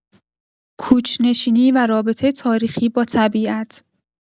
کوچ‌نشینی و رابطه تاریخی با طبیعت